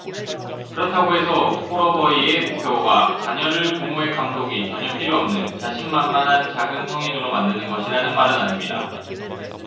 그렇다고 해서 홀어버이의 목표가 자녀를 부모의 감독이 전혀 필요 없는 자신만만한 작은 성인으로 만드는 것이라는 말은 아닙니다